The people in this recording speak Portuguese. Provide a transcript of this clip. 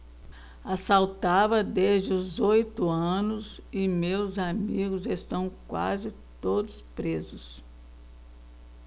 assaltava desde os oito anos e meus amigos estão quase todos presos